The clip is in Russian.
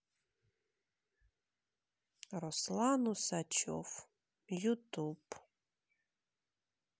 руслан усачев ютуб